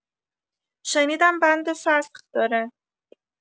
شنیدم بند فسخ داره